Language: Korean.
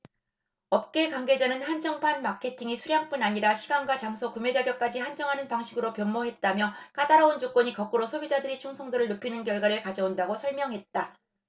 업계 관계자는 한정판 마케팅이 수량뿐 아니라 시간과 장소 구매자격까지 한정하는 방식으로 변모했다며 까다로운 조건이 거꾸로 소비자들의 충성도를 높이는 효과를 가져온다고 설명했다